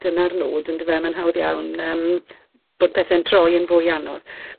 dyna'r nod yndyfe, ma'n hawdd iawn yym bod pethe'n troi yn fwy anodd.